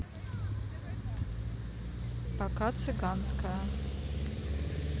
пока цыганская